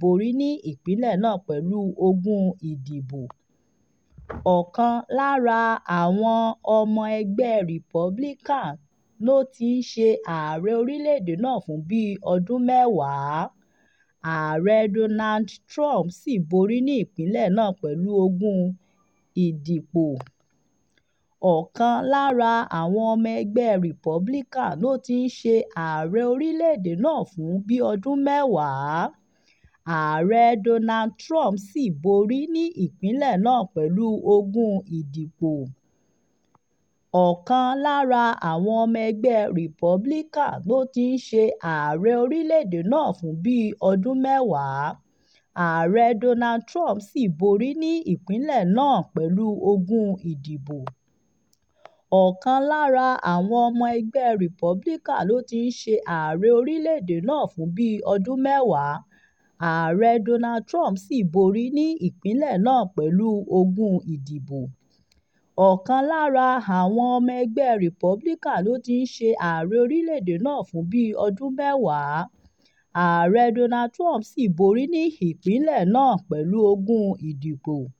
ogún ìdìpọ̀.